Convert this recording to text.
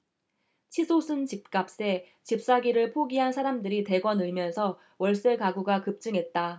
치솟은 집값에 집사기를 포기한 사람들이 대거 늘면서 월세 가구가 급증했다